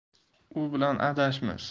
u bilan adashmiz